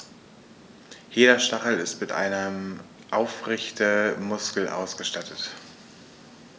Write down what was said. Jeder Stachel ist mit einem Aufrichtemuskel ausgestattet.